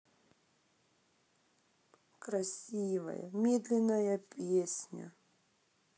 красивая медленная песня